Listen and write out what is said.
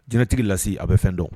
Jtigi lase a bɛ fɛn dɔn